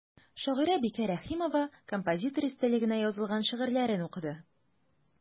Шагыйрә Бикә Рәхимова композитор истәлегенә язылган шигырьләрен укыды.